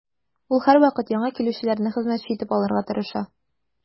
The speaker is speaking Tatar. Ул һәрвакыт яңа килүчеләрне хезмәтче итеп алырга тырыша.